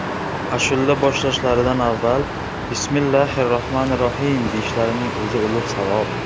ashula boshlashlaridan avval bismillohir rahmonir rohiym deyishlarining o'zi ulug' savob